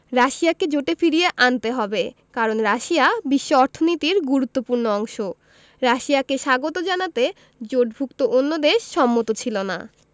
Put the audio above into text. রাশিয়াকে জোটে ফিরিয়ে আনতে হবে কারণ রাশিয়া বিশ্ব অর্থনীতির গুরুত্বপূর্ণ অংশ রাশিয়াকে স্বাগত জানাতে জোটভুক্ত অন্য দেশ সম্মত ছিল না